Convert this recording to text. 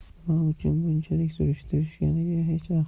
nima uchun bunchalik surishtirganiga